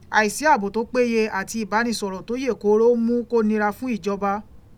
Àìsí àbò tó péye àti ìbánisọ̀rọ̀ tó yè kòòrò ń mú kó nira fún ìjọ̀ba.